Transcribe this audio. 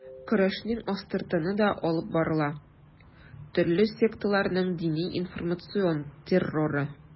Көрәшнең астыртыны да алып барыла: төрле секталарның дини-информацион терроры.